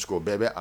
O bɛɛ bɛ a